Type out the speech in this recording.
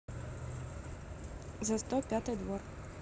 за сто пятый двор